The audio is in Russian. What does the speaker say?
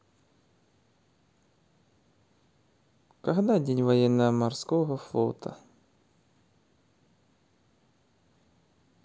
когда день военно морского флота